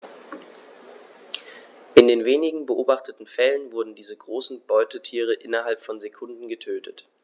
In den wenigen beobachteten Fällen wurden diese großen Beutetiere innerhalb von Sekunden getötet.